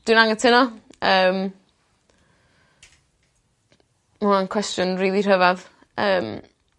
Dwi'n angytuno. Yym. Ma' o'n cwestiwn rili rhyfadd. Yym.